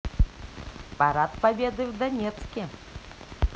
парад победы в донецке